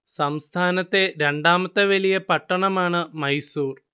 സംസ്ഥാനത്തെ രണ്ടാമത്തെ വലിയ പട്ടണമാണ് മൈസൂർ